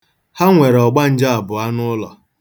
Ha nwere ọgbanje abụọ n'ụlọ.